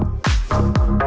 thể